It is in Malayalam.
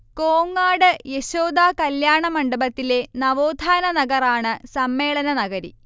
കോങ്ങാട് യശോദ കല്യാണമണ്ഡപത്തിലെ നവോത്ഥാന നഗറാണ് സമ്മേളനനഗരി